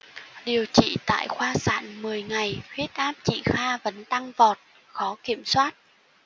điều trị tại khoa sản mười ngày huyết áp chị kha vẫn tăng vọt khó kiểm soát